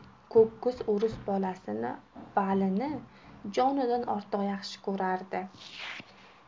ko'k ko'z o'ris bolasini valini jonidan yaxshi ko'rardi